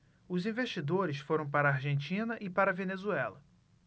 os investidores foram para a argentina e para a venezuela